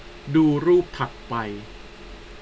ดูรูปถัดไป